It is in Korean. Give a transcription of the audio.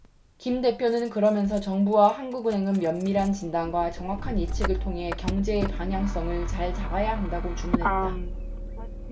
김 대표는 그러면서 정부와 한국은행은 면밀한 진단과 정확한 예측을 통해 경제의 방향성을 잘 잡아야 한다고 주문했다